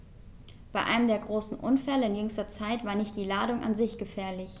Bei einem der großen Unfälle in jüngster Zeit war nicht die Ladung an sich gefährlich.